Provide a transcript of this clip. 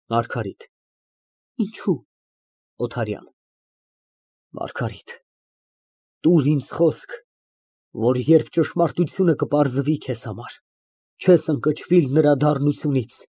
ՄԱՐԳԱՐԻՏ ֊ Ինչո՞ւ… ՕԹԱՐՅԱՆ ֊ Մարգարիտ, տուր ինձ խոսք, որ երբ ճշմարտությունը կպարզվի քեզ համար ֊ չես ընկճվիլ նրա դառնությունից։